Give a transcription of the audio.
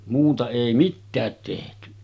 muuta ei mitään tehty